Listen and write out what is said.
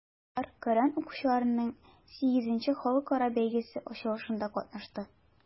Алар Коръән укучыларның VIII халыкара бәйгесе ачылышында катнашты.